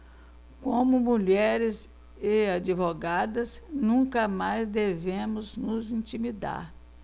como mulheres e advogadas nunca mais devemos nos intimidar